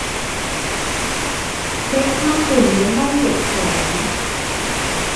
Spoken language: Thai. เช็คค่าฝุ่นในห้องเก็บของ